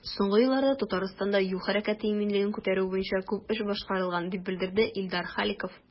Соңгы елларда Татарстанда юл хәрәкәте иминлеген күтәрү буенча күп эш башкарылган, дип белдерде Илдар Халиков.